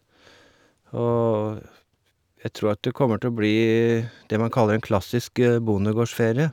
Og jeg tor at det kommer til å bli det man kaller en klassisk bondegårdsferie.